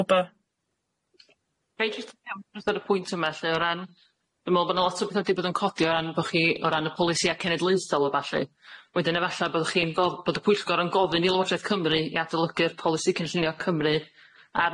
gwbo. Reit jyst yn iawn wrth gwrs ar y pwynt yma lly o ran dwi me'wl bo' na lot o betha di bod yn codi o ran bo' chi o ran y polisia cenedloesol a ballu wedyn efalla bod chi'n go- bod y pwyllgor yn gofyn i Llywodraeth Cymru i adolygu'r polisi cynllunio Cymru ar